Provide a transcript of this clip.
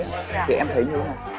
á thì em thấy như nào